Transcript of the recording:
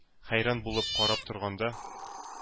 Хәйран булып карап торганда,